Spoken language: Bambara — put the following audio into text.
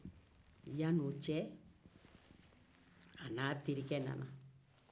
yanni o cɛ a n'a terike nana